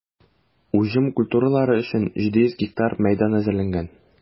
Уҗым культуралары өчен 700 га мәйдан әзерләнгән.